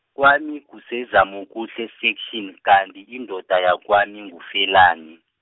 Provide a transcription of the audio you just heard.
kwami kuseZamokuhle Section, kanti indoda yakwami nguFelani.